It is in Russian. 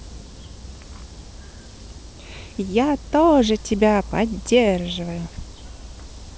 я тоже тебя поддерживаю